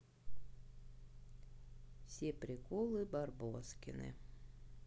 все приколы барбоскины